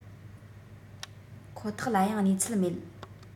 ཁོ ཐག ལ ཡང གནས ཚུལ མེད